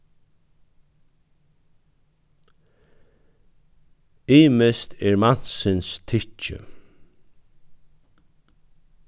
ymiskt er mansins tykki